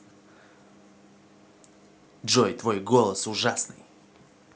джой твой голос ужасный